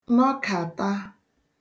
nọkàta